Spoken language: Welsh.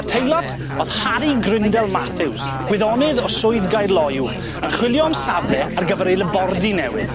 Y peilot o'dd Harry Grindle Matthews, gwyddonydd o swydd Gaerloyw yn chwilio am safle ar gyfer ei labordy newydd.